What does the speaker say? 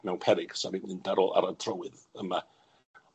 mewn peryg, sa ni'n mynd ar ôl ar y trywydd yma.